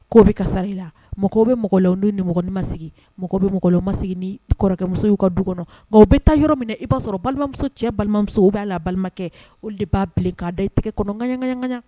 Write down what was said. Ko bɛ ka sara i la mɔgɔw bɛ mɔgɔlan don ni mɔgɔin ma sigi mɔgɔ bɛ mɔgɔma sigi ni kɔrɔkɛmuso ka du kɔnɔ nka bɛ taa yɔrɔ min i b'a sɔrɔ balimamuso cɛ balimamuso b'a la balimakɛ o de b'a bilenkan da i tɛgɛ kɔnɔ kaɲagaka ɲa